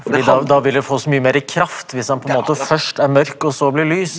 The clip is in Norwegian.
fordi da da vil han få så mye mere kraft hvis han på en måte først er mørk og så blir lys.